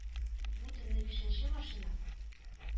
Бу төнне бишенче машина